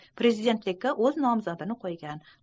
u prezidentlikka o'z nomzodini qo'ygan